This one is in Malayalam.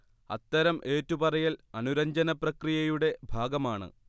അത്തരം ഏറ്റുപറയൽ അനുരഞ്ജനപ്രക്രിയയുടെ ഭാഗമാണ്